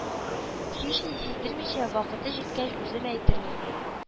Һични сиздермә вакыты җиткәч үзем әйтермен